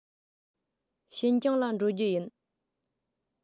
ཤིན ཅང ལ འགྲོ རྒྱུ ཡིན